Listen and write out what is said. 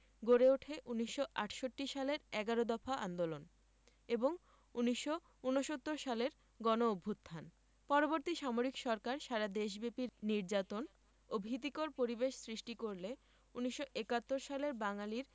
গড়ে উঠে ১৯৬৮ সালের এগারো দফা আন্দোলন এবং ১৯৬৯ সালের গণঅভ্যুত্থান পরবর্তী সামরিক সরকার সারা দেশব্যাপী নির্যাতন ও ভীতিকর পরিবেশ সৃষ্টি করলে ১৯৭১ সালের বাঙালির